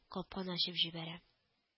Капканы ачып җибәрә